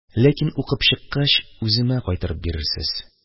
– ләкин укып чыккач, үземә кайтарып бирерсез...